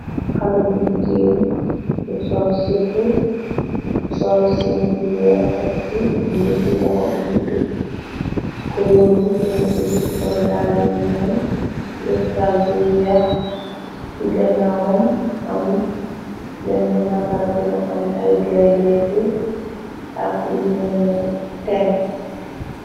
Xalé bu jigéen geen bu sol sippu, sol simis bu weex, tekk si mbubbu bu loxo yi guddu kuluur, bu si njëkkë, sol dallë yu u ñuul ngëp saag bu weex. Si ganawam, am benen màndar ga mu am ay gainde ak lu melni teng.